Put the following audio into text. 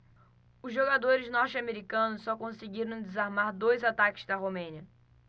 os jogadores norte-americanos só conseguiram desarmar dois ataques da romênia